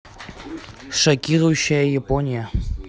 шокирующая япония